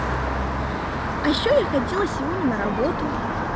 а еще я ходила сегодня на работу